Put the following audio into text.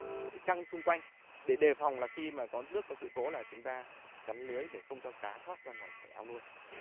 việc chăng xung quanh để đề phòng là khi mà có nước có sự cố là chúng ta chắn lưới để không cho cá thoát ra ngoài khỏi ao nuôi